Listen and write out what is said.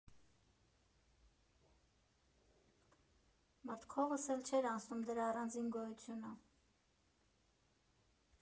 Մտքովս էլ չէր անցնում դրա առանձին գոյությունը։